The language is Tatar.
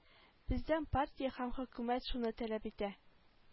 Бездән партия һәм хөкүмәт шуны таләп итә